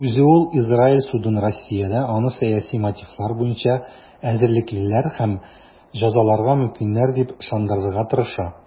Үзе ул Израиль судын Россиядә аны сәяси мотивлар буенча эзәрлеклиләр һәм җәзаларга мөмкиннәр дип ышандырырга тырыша.